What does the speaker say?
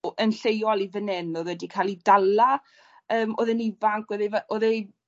o yn lleol i fyn 'yn. Odd e 'di ca'l 'i dala yym odd e'n ifanc odd ei fy- odd ei